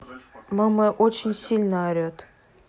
мама очень сильно орет